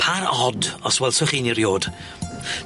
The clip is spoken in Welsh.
Par od os welswch chi un eriôd.